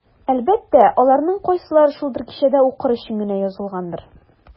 Әлбәттә, аларның кайсылары шул бер кичәдә укыр өчен генә язылгандыр.